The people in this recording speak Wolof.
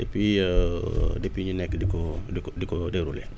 depuis depuis ñu nekk di ko di ko di ko dérouler